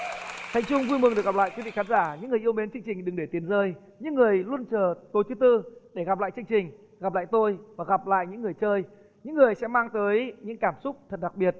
thành trung vui mừng được gặp lại quý vị khán giả những người yêu mến chương trình đừng để tiền rơi những người luôn chờ tối thứ tư để gặp lại chương trình gặp lại tôi và gặp lại những người chơi những người sẽ mang tới những cảm xúc thật đặc biệt